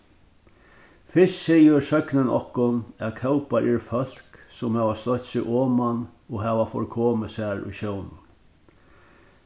fyrst sigur søgnin okkum at kópar eru fólk sum hava stoytt seg oman og hava forkomið sær í sjónum